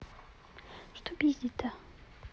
что пиздить то